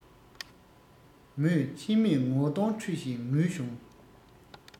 མོས མཆིལ མས ངོ གདོང འཁྲུད བཞིན ངུས བྱུང